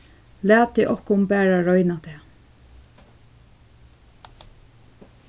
latið okkum bara royna tað